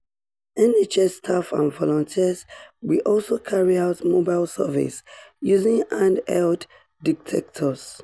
NHS staff and volunteers will also carry out mobile surveys using hand-held detectors.